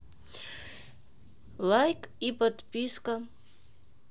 лайк и подписка